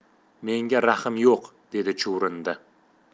menda rahm yo'q dedi chuvrindi